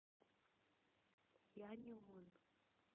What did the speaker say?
я не он